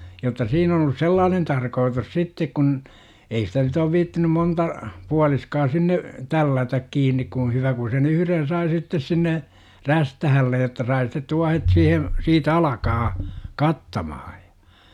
jotta siinä on ollut sellainen tarkoitus sitten kun ei sitä nyt ole viitsinyt monta puoliskoa sinne tällätä kiinni kun hyvä kun sen yhden sai sitten sinne räystäälle jotta sai sitten tuohet siihen siitä alkamaan kattamaan ja